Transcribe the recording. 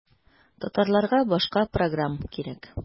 Татарларга башка программ кирәк.